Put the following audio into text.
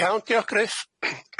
Iawn diolch Gruff.